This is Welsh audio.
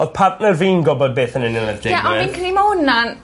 odd partner fi'n gwbod beth yn union nath ddigwydd. Ie a fi'n cre'u ma' wnna'n